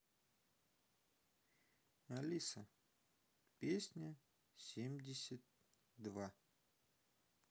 алиса песни семьдесят два